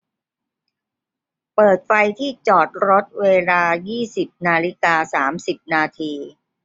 เปิดไฟที่จอดรถเวลายี่สิบนาฬิกาสามสิบนาที